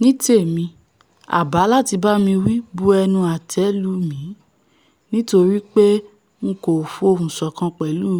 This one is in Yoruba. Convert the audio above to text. Nítèmi, àbá láti bámi wi bú ẹnu àtẹ́ lù mi nítorípe N ko fohùnṣọ̀kan pẹ̀lú